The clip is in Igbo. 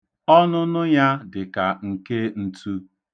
Ọnụnụ ya dị ka nke ntu.